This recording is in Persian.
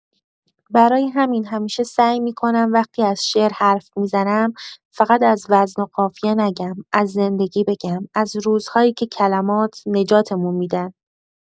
برای همین همیشه سعی می‌کنم وقتی از شعر حرف می‌زنم، فقط از وزن و قافیه نگم، از زندگی بگم، از روزایی که کلمات نجاتمون می‌دن.